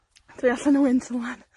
Dwi allan o wynt, yn lân.